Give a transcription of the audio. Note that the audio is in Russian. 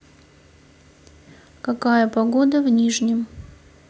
какая погода в нижнем